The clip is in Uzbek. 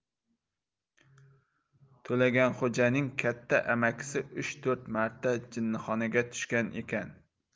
to'laganxo'janing katta amakisi uch to'rt marta jinnixonaga tushgan ekan